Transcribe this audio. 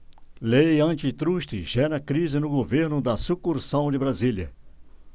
lei antitruste gera crise no governo da sucursal de brasília